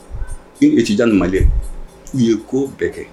I etija i ye ko bɛɛ kɛ